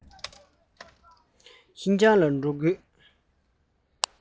ཤིན ཅང ལ འགྲོ མཁན ཡིན